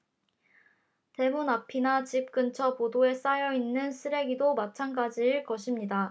대문 앞이나 집 근처 보도에 쌓여 있는 쓰레기도 마찬가지일 것입니다